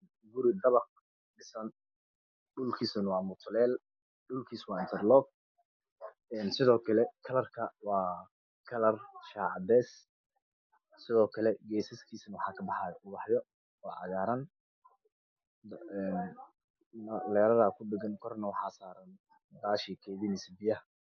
Halkan waa kuri kalar kisi waa cades dhulka mutalelk waa dahabi iyo cades